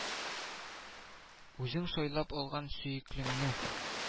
Үзең сайлап алган сөеклеңне